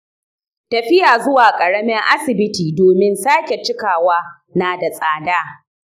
tafiya zuwa ƙaramin asibiti domin sake-cikawa na da tsada.